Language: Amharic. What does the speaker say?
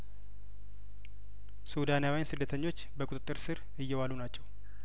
ሱዳናዊያን ስደተኞች በቁጥጥር ስር እየዋሉ ናቸው